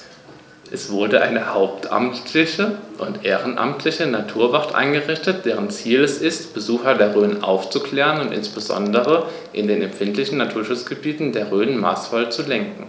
Es wurde eine hauptamtliche und ehrenamtliche Naturwacht eingerichtet, deren Ziel es ist, Besucher der Rhön aufzuklären und insbesondere in den empfindlichen Naturschutzgebieten der Rhön maßvoll zu lenken.